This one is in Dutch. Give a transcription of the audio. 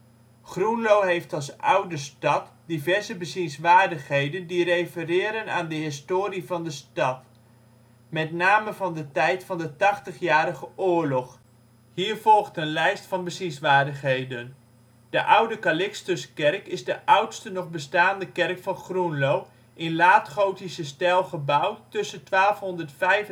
Groenlo heeft als oude stad diverse bezienswaardigheden die refereren aan de historie van de stad, met name van de tijd van de tachtigjarige oorlog. Hieronder een lijst met bezienswaardigheden: De Oude Calixtuskerk is de oudste nog bestaande kerk van Groenlo, in laatgotische stijl gebouwd tussen 1275 en 1520